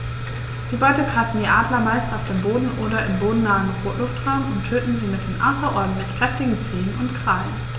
Die Beute greifen die Adler meist auf dem Boden oder im bodennahen Luftraum und töten sie mit den außerordentlich kräftigen Zehen und Krallen.